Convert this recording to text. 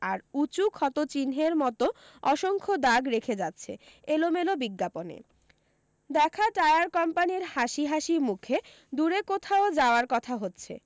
আর উঁচু ক্ষতচিহ্নের মতো অসংখ্য দাগ রেখে যাচ্ছে এলোমেলো বিজ্ঞাপনে দেখা টায়ার কোম্পানির হাসি হাসি মুখে দূরে কোথাও যাওয়ার কথা হচ্ছে